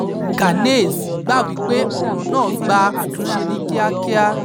Ganase gbà wípé ọ̀ràn náà gba àtúnṣe ní kíákíá.